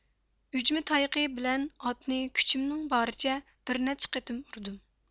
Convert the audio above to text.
ئۈجمە تايىقى بىلەن ئاتنى كۈچۈمنىڭ بارىچە بىرنەچچە قېتىم ئۇردۇم